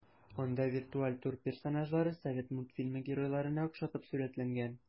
Анда виртуаль тур персонажлары совет мультфильмы геройларына охшатып сурәтләнгән.